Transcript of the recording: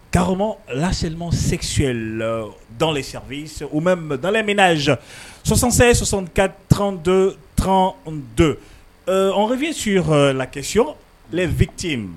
Carrément l'harcèlement sexuel eh dans les services ou même dans les ménages 76 64 32 32 eh on revient sur la question les victimes